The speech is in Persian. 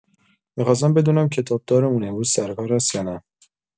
می‌خواستم بدونم کتاب‌دارمون امروز سر کار هست یا نه؟